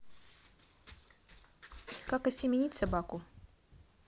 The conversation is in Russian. как осеменить собаку